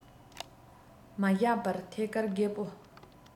མ བཞག པར ཐད ཀར རྒད པོ